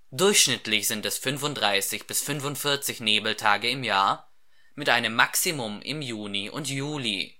Durchschnittlich sind es 35 bis 45 Nebeltage im Jahr, mit einem Maximum im Juni und Juli